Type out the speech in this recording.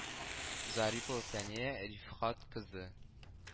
Зарипова Фәния Рифкать кызы